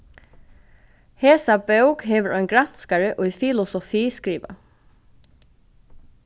hesa bók hevur ein granskari í filosofi skrivað